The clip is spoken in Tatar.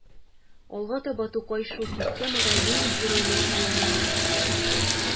Алга таба Тукай шул системага лирик геройның уйлануларын сала.